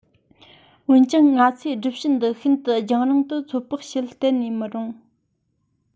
འོན ཀྱང ང ཚོས སྒྲུབ བྱེད འདི ཤིན ཏུ རྒྱང རིང དུ ཚོད དཔག བྱེད གཏན ནས མི རུང